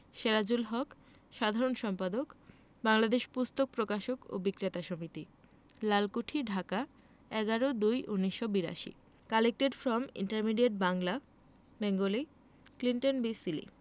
সেরাজুল হক সাধারণ সম্পাদক বাংলাদেশ পুস্তক প্রকাশক ও বিক্রেতা সমিতি Lalkuthi Dhaka ১১ ০২ ১৯৮২ Collected from Intermediate Bangla Bengali Clinton B Seely